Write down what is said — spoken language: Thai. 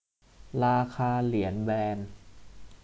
ราคาเหรียญแบรนด์